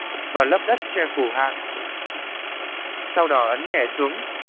và lấp đất che phủ hạt sau đó ấn nhẹ xuống